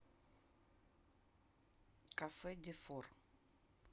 кафе дефор